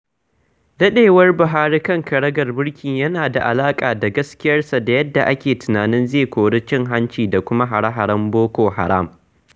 ɗarewar Buhari kan karagar mulki yana da alaƙa da gaskiyarsa da yadda ake tunanin zai kori cin-hanci da kuma hare-haren Boko Haram.